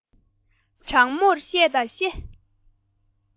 དྲང མོར བཤད ད བཤད